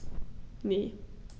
Ne.